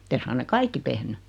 mutta ei suinkaan ne kaikki tehnyt